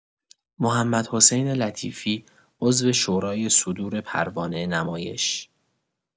محمدحسین لطیفی عضو شورای صدور پروانه نمایش